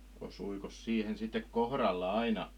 osuikos siihen sitten kohdalle aina